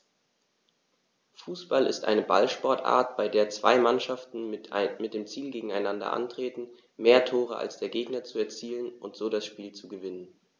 Fußball ist eine Ballsportart, bei der zwei Mannschaften mit dem Ziel gegeneinander antreten, mehr Tore als der Gegner zu erzielen und so das Spiel zu gewinnen.